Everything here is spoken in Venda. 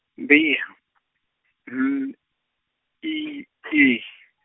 ndi H N I I.